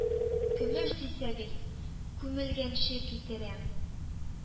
Көмеш дисәгез, күмелгәнче китерәм,